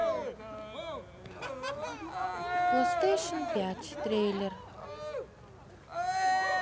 плейстейшн пять трейлер